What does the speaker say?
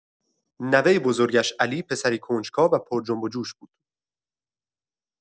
نوۀ بزرگش علی، پسری کنجکاو و پرجنب‌وجوش بود.